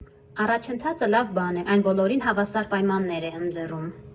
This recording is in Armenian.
Առաջընթացը լավ բան է, այն բոլորին հավասար պայմաններ է ընձեռում։